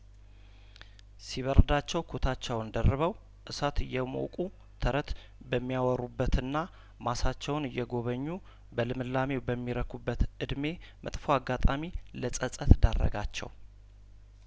ሲበርዳቸው ኩታቸውን ደርበው እሳት እየሞቁ ተረት በሚያወሩበትና ማሳቸውን እየጐበኙ በልምላሜው በሚረኩ በት እድሜ መጥፎ አጋጣሚ ለጸጸት ዳረጋቸው